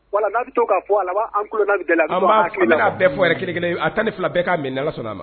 Voilà n'a be to k'a fɔ ala a b'a an kulona bi deli a be sɔn an b'aa hakili la quoi an ben'a bɛɛ fɔ yɛrɛ kelen-kelen w a 12 bɛɛ k'a mɛ ni Ala sɔnn'a ma